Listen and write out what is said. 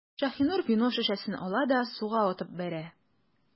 Шаһинур вино шешәсен ала да суга атып бәрә.